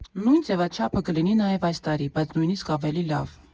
Նույն ձևաչափը կլինի նաև այս տարի, բայց նույնիսկ ավելի լավ.